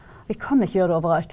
vi kan ikke gjøre det overalt.